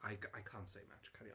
I I can't say much, carry on.